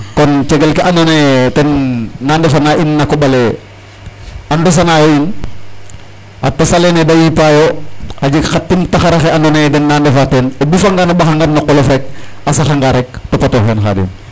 Kon cegel ke andoona yee ten na ndefana in na koƥ ale a ndosanaayo in a tos alene da yipaayo a jeg xa tim a taxar axa andoona yee den na ndefaayo teen o bufangaan o ɓaxangaan no qolof rek a saxa ga rek topatooxin Khadim.